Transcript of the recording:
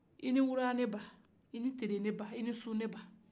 i ni wura ne ba i ni tile ne ba i ni su ne ba